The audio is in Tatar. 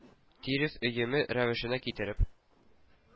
Тирес өеме рәвешенә китереп,